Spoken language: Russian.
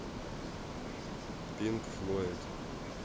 пинк флоид